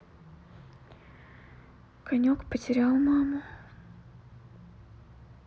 конек потерял маму